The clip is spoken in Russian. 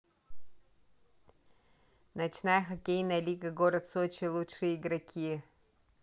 ночная хоккейная лига город сочи лучшие игроки